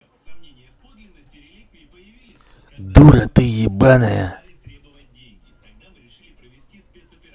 дура ты ебаная